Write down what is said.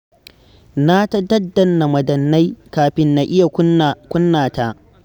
Na ta daddanna madannai kafin na iya kunna ta.